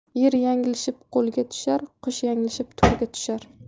er yanglishib qo'lga tushar qush yanglishib to'rga tushar